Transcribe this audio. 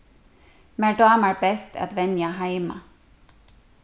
mær dámar best at venja heima